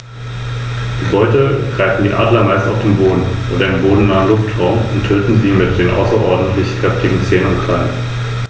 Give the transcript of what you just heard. Das eigentliche Rückgrat der Verwaltung bildeten allerdings die Städte des Imperiums, die als halbautonome Bürgergemeinden organisiert waren und insbesondere für die Steuererhebung zuständig waren.